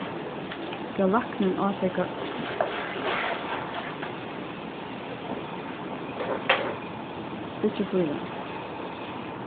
skal læknin átaka stykki fýra